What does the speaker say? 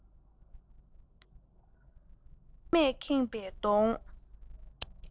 གཉེར མས ཁེངས པའི གདོང